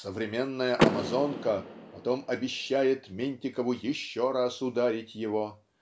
современная амазонка потом обещает Ментикову еще раз ударить его